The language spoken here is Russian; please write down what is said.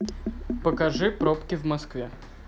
покажи пробки в москве